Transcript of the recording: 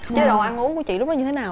chế độ ăn uống của chị lúc đó như thế nào